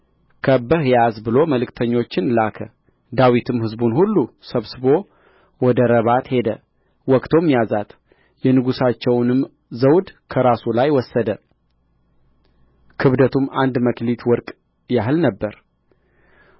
ከብበህ ያዝ ብሎ መልእክተኞችን ላከ ዳዊትም ሕዝቡን ሁሉ ሰብስቦ ወደ ረባት ሄደ ወግቶም ያዛት የንጉሣቸውንም ዘውድ ከራሱ ላይ ወሰደ ክብደቱም አንድ መክሊት ወርቅ ያህል ነበር